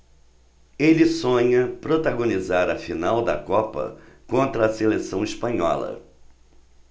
ele sonha protagonizar a final da copa contra a seleção espanhola